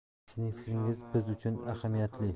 sizning fikringiz biz uchun ahamiyatli